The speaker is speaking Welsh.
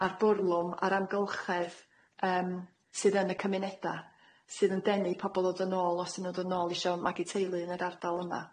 a'r bwrlwm a'r amgylchedd yym sydd yn y cymuneda sydd yn denu pobol dod yn ôl os y' nw'n dod nôl isio magu teulu yn y ardal yma.